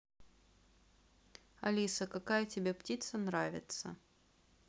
алиса какая тебе птица нравится